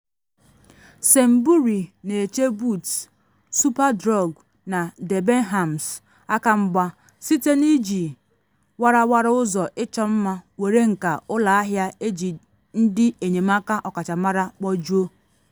Sainbury na eche Boots, Superdrug na Debenhams aka mgba site na iji warawara ụzọ ịchọ mma nwere nka-ụlọ ahịa eji ndị enyemaka ọkachamara kpojuo.